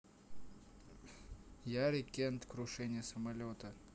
ярик кент крушение самолета